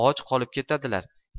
och qolib ketadilar